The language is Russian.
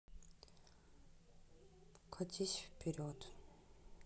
катись вперед